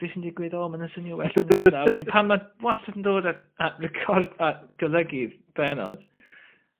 ...be' sy'n digwydd o ma' wnna'n swnio'n well yn y swydda a wedyn pan ma' wastad yn dod at at record- at golygu'r bennod